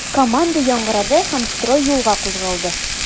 Команда яңгырады һәм строй юлга кузгалды.